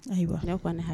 A koɛ